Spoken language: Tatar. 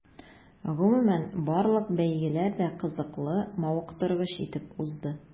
Гомумән, барлык бәйгеләр дә кызыклы, мавыктыргыч итеп узды.